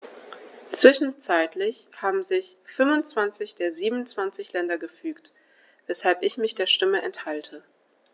Zwischenzeitlich haben sich 25 der 27 Länder gefügt, weshalb ich mich der Stimme enthalte.